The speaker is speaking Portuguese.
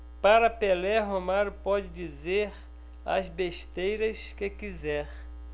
para pelé romário pode dizer as besteiras que quiser